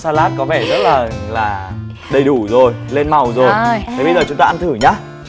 sa lát có vẻ rất là là đầy đủ rồi lên màu rồi thế bây giờ chúng ta ăn thử nhá